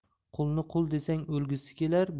qulni qui desang o'lgisi kelar